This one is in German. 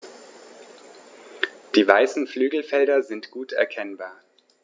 Die weißen Flügelfelder sind gut erkennbar.